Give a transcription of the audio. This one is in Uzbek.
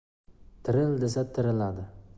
tiril desa tiriladi